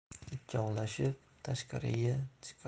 ikkovlashib tashqariga chiqqanimizda